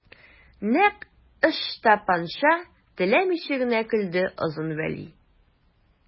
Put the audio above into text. Нәкъ Ычтапанча теләмичә генә көлде Озын Вәли.